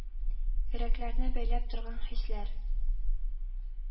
Йөрәкләрне бәйләп торган хисләр